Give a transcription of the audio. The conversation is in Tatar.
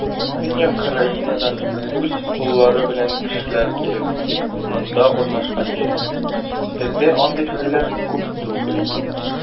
Көньяк Каролинадан үз коллары белән кешеләр килеп, монда урнашканчы, бездә андый хәлләр күп түгел иде.